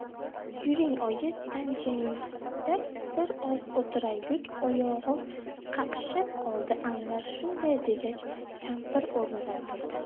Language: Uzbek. yuring oyi tanchangizda bir oz o'tiraylik oyog'im qaqshab qoldi anvar shunday degach kampir o'rnidan turdi